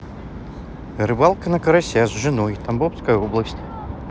рыбалка на карася с женой тамбовская область